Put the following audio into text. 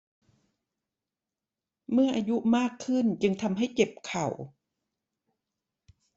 เมื่ออายุมากขึ้นจึงทำให้เจ็บเข่า